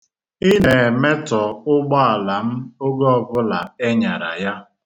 I na-emetọ ụgbọala m oge ọbụla ị nyara ya.